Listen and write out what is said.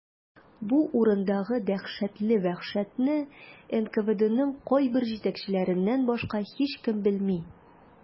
Бу урындагы дәһшәтле вәхшәтне НКВДның кайбер җитәкчеләреннән башка һичкем белми.